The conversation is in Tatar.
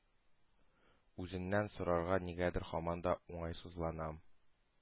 Үзеннән сорарга нигәдер һаман да уңайсызланам.